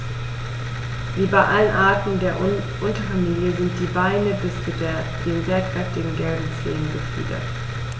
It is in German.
Wie bei allen Arten der Unterfamilie sind die Beine bis zu den sehr kräftigen gelben Zehen befiedert.